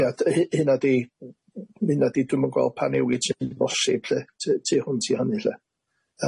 Ia hy- hynna 'di hynna 'di dwi'm yn gweld pa newid sy'n bosib lly tu- tu hwnt i hynny lly.